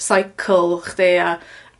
cycle chdi a